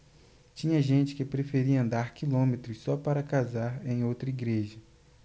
tinha gente que preferia andar quilômetros só para casar em outra igreja